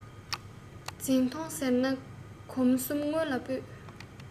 འཛིང ཐོངས ཟེར ན གོམ གསུམ སྔོན ལ སྤོས